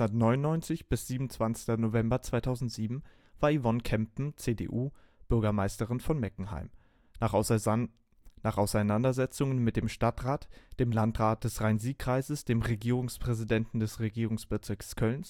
1999 bis 27. November 2007 war Yvonne Kempen (CDU) Bürgermeisterin von Meckenheim. Nach Auseinandersetzungen mit den Stadtrat, dem Landrat des Rhein-Sieg-Kreises, dem Regierungspräsidenten des Regierungsbezirks Köln